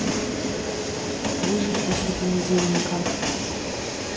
выжить после понедельника